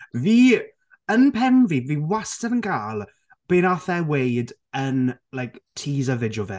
Fi, yn pen fi, fi wastad yn gael be wnaeth e weud yn, like, teaser video fe...